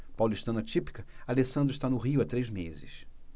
paulistana típica alessandra está no rio há três meses